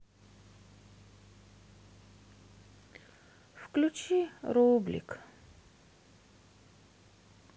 включи рублик